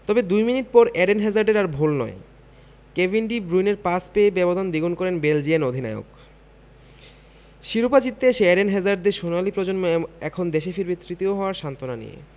তবে দুই মিনিট পর এডেন হ্যাজার্ডের আর ভুল নয় কেভিন ডি ব্রুইনের পাস পেয়ে ব্যবধান দ্বিগুণ করেন বেলজিয়ান অধিনায়ক শিরোপা জিততে এসে এডেন হ্যাজার্ডদের সোনালি প্রজন্ম এখন দেশে ফিরবে তৃতীয় হওয়ার সান্ত্বনা নিয়ে